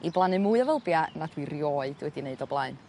i blannu mwy o fylbia na dwi rioed wedi neud o blaen.